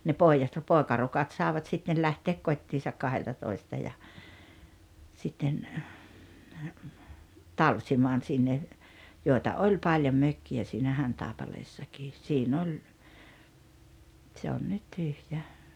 ne pojat poikarukat saivat sitten lähteä kotiinsa kahdeltatoista ja sitten talsimaan sinne joita oli paljon mökkejä siinä Hantaipaleessa siinä oli se on nyt tyhjä